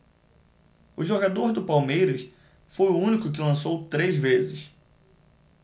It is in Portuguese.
o jogador do palmeiras foi o único que lançou três vezes